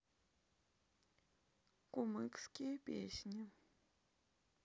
кумыкские песни